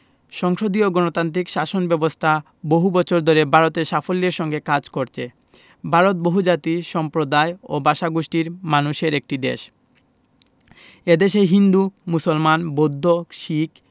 সংসদীয় গণতান্ত্রিক শাসন ব্যাবস্থা বহু বছর ধরে ভারতে সাফল্যের সঙ্গে কাজ করছে ভারত বহুজাতি সম্প্রদায় ও ভাষাগোষ্ঠীর মানুষের একটি দেশ এ দেশে হিন্দু মুসলমান বৌদ্ধ শিখ